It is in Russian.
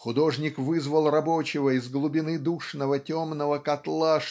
Художник вызвал рабочего из глубины душного темного котла